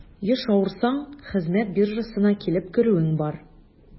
Еш авырсаң, хезмәт биржасына килеп керүең бар.